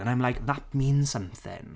And I'm like "That means something."